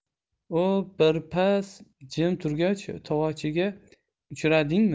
u birpas jim turgach tavochiga uchradingmi